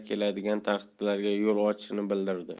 keladigan tahdidlarga yo'l ochishini bildirdi